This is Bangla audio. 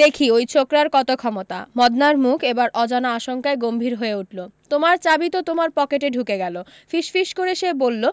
দেখি ওই ছোকরার কত ক্ষমতা মদনার মুখ এবার অজানা আশঙ্কায় গম্ভীর হয়ে উঠলো তোমার চাবি তো তোমার পকেটে ঢুকে গেলো ফিসফিস করে সে বললো